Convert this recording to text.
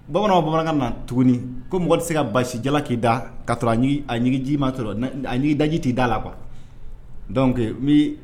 Bamananw bamanankan na tuguni ko mɔgɔ tɛ se ka basi jala k'i da ka a ji ma sɔrɔ a daji t'i da la wa dɔnke